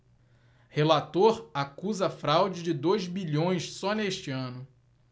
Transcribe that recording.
relator acusa fraude de dois bilhões só neste ano